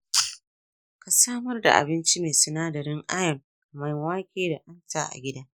ka samar da abinci mai sinadarin ayon kamar wake da hanta a gida.